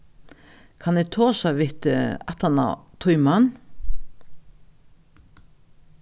kann eg tosa við teg aftan á tíman